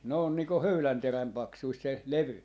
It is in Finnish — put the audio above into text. ne on niin kuin höylänterän paksuista se levy